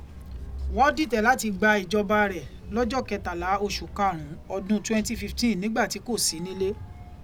Wọ́n dìtẹ̀ láti gba ìjọba rẹ̀ lọ́jọ́ kẹtàlá oṣù karùn ún ọdún twenty fifteen nígbà tí kò sí nílé.